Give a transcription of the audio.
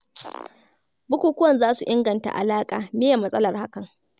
Bukukuwan za su inganta alaƙa, me ye matsalar hakan?